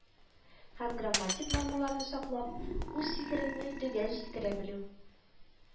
Һəм грамматик нормаларны саклап, үз фикереңне төгəл җиткерə белү;